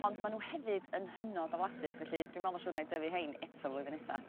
ond ma' n'w hefyd yn hynod o flasus felly dwi'n me'wl ma' sîwr 'nai dyfu rhein eto flwyddyn nesa.